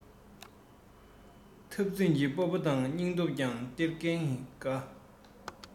འཐབ འཛིང གི སྤོབས པ དང སྙིང སྟོབས ཀྱང སྟེར གྱིན གདའ